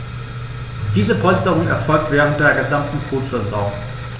Diese Polsterung erfolgt während der gesamten Brutsaison.